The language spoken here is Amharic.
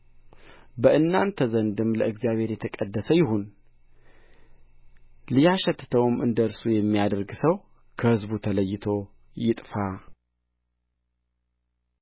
በእናንተ ዘንድም ለእግዚአብሔር የተቀደሰ ይሁን ሊያሸትተውም እንደ እርሱ የሚያደርግ ሰው ከሕዝቡ ተለይቶ ይጥፋ